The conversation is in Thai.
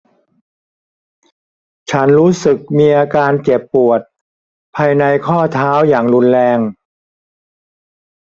ฉันรู้สึกมีอาการเจ็บปวดภายในข้อเท้าอย่างรุนแรง